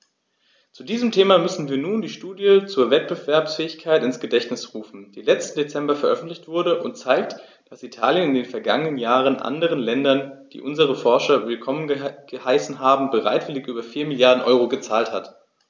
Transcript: Zu diesem Thema müssen wir uns nur die Studie zur Wettbewerbsfähigkeit ins Gedächtnis rufen, die letzten Dezember veröffentlicht wurde und zeigt, dass Italien in den vergangenen Jahren anderen Ländern, die unsere Forscher willkommen geheißen haben, bereitwillig über 4 Mrd. EUR gezahlt hat.